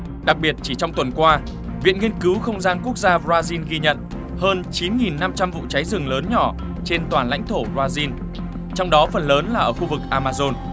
đặc biệt chỉ trong tuần qua viện nghiên cứu không gian quốc gia bờ ra din ghi nhận hơn chín nghìn năm trăm vụ cháy dừng lớn nhỏ trên toàn lãnh thổ bờ ra din trong đó phần lớn là ở khu vực a ma dôn